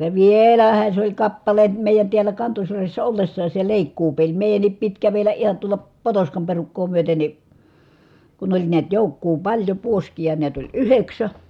ja vielähän se oli kappale meidän täällä Kantosyrjässä ollessakin se leikkuupeli meidänkin piti kävellä ihan tuolla Potoskan perukkaa myöten niin kun oli näet joukkoa paljon puoskia näet oli yhdeksän